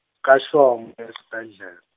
ka Shongwe esibhedle-.